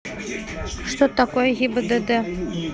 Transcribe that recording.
что такое гибдд